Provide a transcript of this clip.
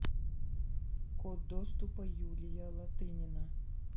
код доступа юлия латынина